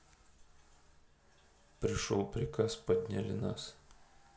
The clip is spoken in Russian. пришел приказ подняли нас